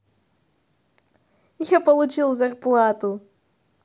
я получил зарплату